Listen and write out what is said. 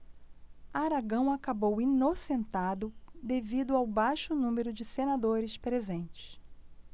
aragão acabou inocentado devido ao baixo número de senadores presentes